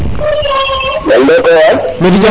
mbaldoko waay